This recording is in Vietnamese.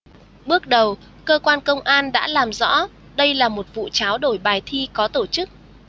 bước đầu cơ quan công an đã làm rõ đây là một vụ tráo đổi bài thi có tổ chức